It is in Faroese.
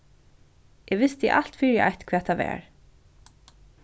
eg visti alt fyri eitt hvat tað var